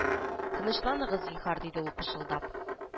Тынычланыгыз зинһар диде ул пышылдап